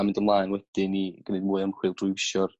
A mynd ymlaen wedyn i gneud mwy o ymchwil drw iwsio'r